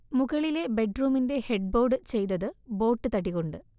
മുകളിലെ ബെഡ്റൂമിന്റെ ഹെഡ്ബോർഡ് ചെയ്തത് ബോട്ട്തടി കൊണ്ട്